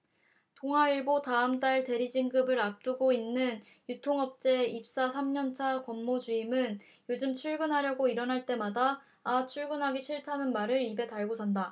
동아일보 다음 달 대리 진급을 앞두고 있는 유통업체 입사 삼 년 차 권모 주임은 요즘 출근하려고 일어날 때마다 아 출근하기 싫다는 말을 입에 달고 산다